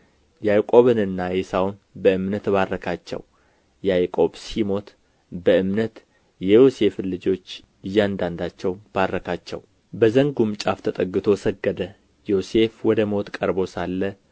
ያዕቆብንና ዔሳውን በእምነት ባረካቸው ያዕቆብ ሲሞት በእምነት የዮሴፍን ልጆች እያንዳንዳቸው ባረካቸው በዘንጉም ጫፍ ተጠግቶ ሰገደ ዮሴፍ ወደ ሞት ቀርቦ ሳለ